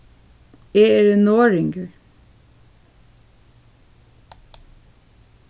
eg eri norðoyingur